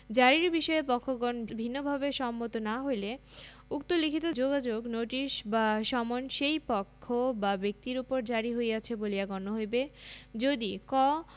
জারীর বিষয়ে পক্ষগণ ভিন্নভাবে সম্মত না হইলে উক্ত লিখিত যোগাযোগ নোটিশ বা সমন সেই পক্ষ বা ব্যক্তির উপর জারী হইয়াছে বলিয়া গণ্য হইবে যদি ক